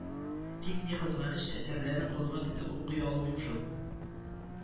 Тик ни кызганыч, әсәрләрен кулыма тотып укый алмыйм шул